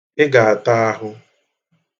Ị ga-ata ahụ.